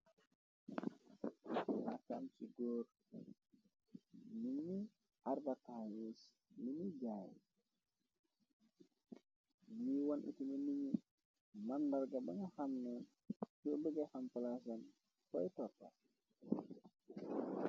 Lakam ci góor nini arvataus liñi jaay lii woon ituni niñi mànbarga ba nga xamna jo bëge xampalagen poy toppa.